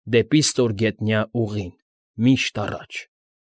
Դեպի ստորգետնյա ուղին՝ միշտ առաջ։